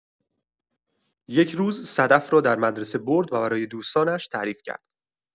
یک روز، صدف را در مدرسه برد و برای دوستانش تعریف کرد.